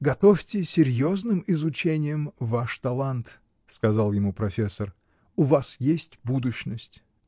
— Готовьте серьезным изучением ваш талант, — сказал ему профессор, — у вас есть будущность.